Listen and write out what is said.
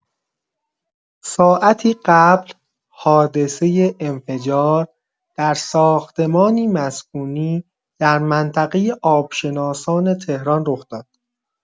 ساعتی قبل حادثه انفجار در ساختمانی مسکونی در منطقه آبشناسان تهران رخ داد.